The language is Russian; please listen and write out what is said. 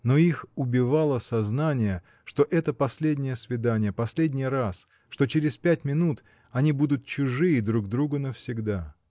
Но их убивало сознание, что это последнее свидание, последний раз, что через пять минут они будут чужие друг другу навсегда.